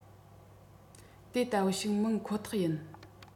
དེ ལྟ བུ ཞིག མིན ཁོ ཐག ཡིན